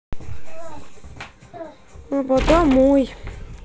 лобода мой